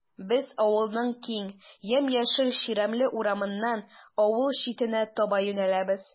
Без авылның киң, ямь-яшел чирәмле урамыннан авыл читенә таба юнәләбез.